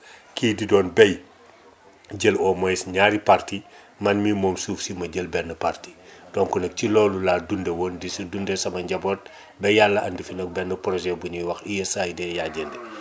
kii di doon bay jël au moins ñaari parties man mi moom suuf si ma jël benn partie donc nag ci loolu laa dunde woon di si dundee sama njaboot ba yàlla andi fi nag benn projet bu ñuy wax USAID